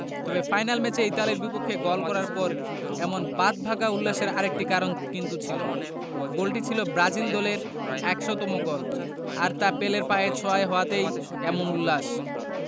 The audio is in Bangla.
তবে ফাইনাল ম্যাচে ইতালির বিপক্ষে গোল করার পর এমন বাঁধভাঙা উল্লাসের আরেকটি কারণ কিন্তু ছিল গোলটি ছিল ব্রাজিল দলের ১০০তম গোল আর তা পেলের পায়ের ছোঁয়ায় হওয়াতেই এমন উল্লাস